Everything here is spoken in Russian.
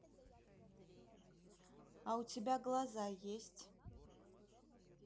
а у тебя глаза есть